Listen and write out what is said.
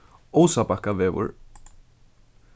ósabakkavegur